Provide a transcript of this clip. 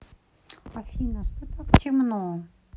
афина что так темно